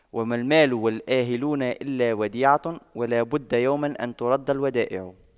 وما المال والأهلون إلا وديعة ولا بد يوما أن تُرَدَّ الودائع